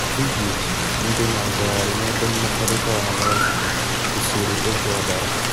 Vidio ndị na agagharị n’ebe mmerịkọta ọhaneze gosiri oge ọ dara.